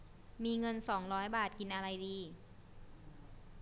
มีเงินสองร้อยบาทกินอะไรดี